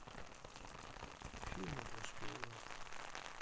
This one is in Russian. фильмы про шпионов